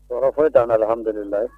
alihamidulilayi